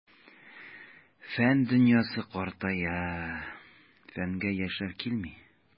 Фән дөньясы картая, фәнгә яшьләр килми.